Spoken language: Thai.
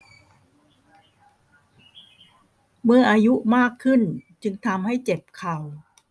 เมื่ออายุมากขึ้นจึงทำให้เจ็บเข่า